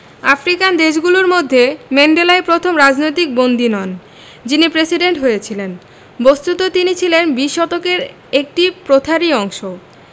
African দেশগুলোর মধ্যে ম্যান্ডেলাই প্রথম রাজনৈতিক বন্দী নন যিনি প্রেসিডেন্ট হয়েছিলেন বস্তুত তিনি ছিলেন বিশ শতকের একটি প্রথারই অংশ